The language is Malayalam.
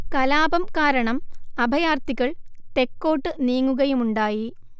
കലാപം കാരണം അഭയാർത്ഥികൾ തെക്കോട്ട് നീങ്ങുകയുമുണ്ടായി